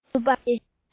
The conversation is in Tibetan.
གླུ པ གྲགས ཅན དེ